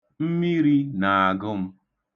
Mmiri na-agụ m.